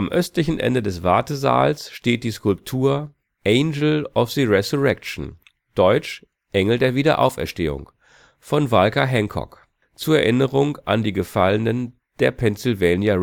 östlichen Ende des Wartesaals steht die Skulptur „ Angel of the Resurrection “(deutsch: „ Engel der Wiederauferstehung “) von Walker Hancock zur Erinnerung an die Gefallenen der Pennsylvania